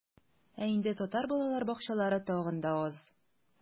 Ә инде татар балалар бакчалары тагын да аз.